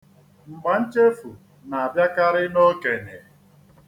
Mgbanchefu na-abịakarị n'okenye.